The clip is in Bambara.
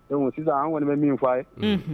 Don sisan an kɔni bɛ min f fɔ a ye